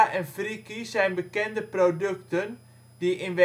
en Friki zijn bekende producten die in